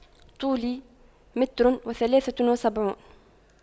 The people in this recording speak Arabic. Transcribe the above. طولي متر وثلاثة وسبعون